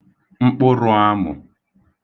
mkpụrụ̄āmụ̀